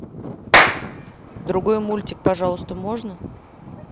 другой мультик пожалуйста можно